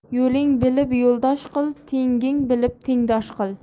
yo'ling bilib yo'ldosh qil tenging bilib tengdosh qil